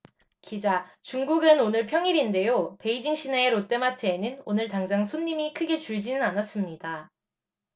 기자 중국은 오늘 평일인데요 베이징 시내의 롯데마트에는 오늘 당장 손님이 크게 줄지는 않았습니다